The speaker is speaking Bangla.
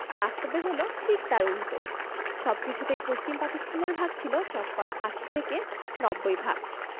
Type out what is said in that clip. বাস্তবে হলো ঠিক তার উলটো সবকিছুতেই পশ্চিম পাকিস্তানের ভাগ ছিল শতকরা ৮০ থেকে ৯০ ভাগ